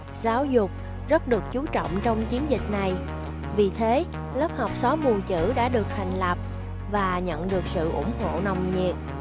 giáo dục rất được chú trọng trong chiến dịch này vì thế lớp học xóa mù chữ đã được thành lập và nhận được sự ủng hộ nồng nhiệt